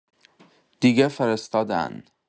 دیگه فرستادن